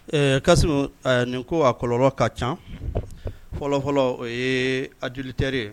Ka nin ko a kɔlɔ ka ca fɔlɔ fɔlɔ o ye ajte ye